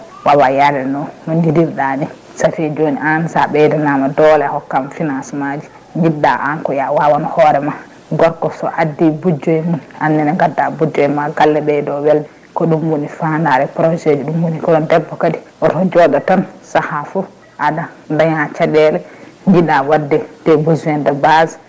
wawa yaade no no jiiɗirɗani ça fait joni a ɓeydanama doole a hokkama financement jiɗɗa an ko ya wawan hoorema gorko so addi buuɗi jooyi mum annene gadda buuɗi joyyi ma galle ɓeydo welde ko ɗum woni fandare projet ji ɗum woni ko on debbo kadi oto jooɗo tan saaha foof aɗa daña caɗele jiiɗa wadde tes besoin de base